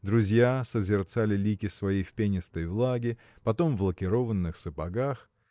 Друзья созерцали лики свои в пенистой влаге потом в лакированных сапогах.